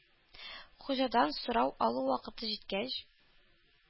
Хуҗадан сорау алу вакыты җиткәч,